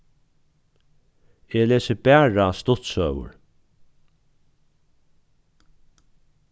eg lesi bara stuttsøgur